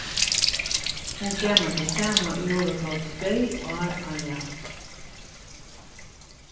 hon gav mær tað sama í jólagávu tvey ár á rað